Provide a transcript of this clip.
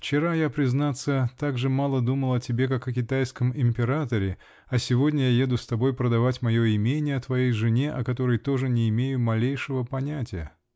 Вчера я, признаться, так же мало думал о тебе, как о китайском императоре, а сегодня я еду с тобой продавать мое имение твоей жене, о которой тоже не имею малейшего понятия.